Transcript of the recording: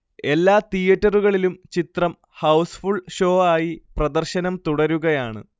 എല്ലാ തീയറ്ററുകളിലും ചിത്രം ഹൌസ്ഫുൾ ഷോ ആയി പ്രദർശനം തുടരുകയാണ്